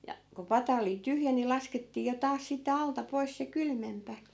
ja kun pata oli tyhjä niin laskettiin jo taas sitten alta pois se kylmempi